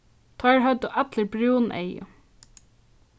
teir høvdu allir brún eygu